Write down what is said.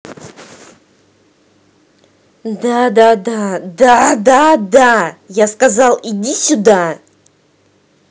да да да да да да я сказал иди сюда